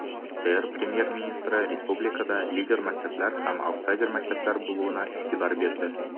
ТР Премьер-министры республикада лидер мәктәпләр һәм аутсайдер мәктәпләр булуына игътибар бирде.